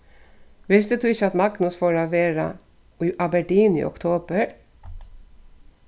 visti tú ikki at magnus fór at vera í aberdeen í oktobur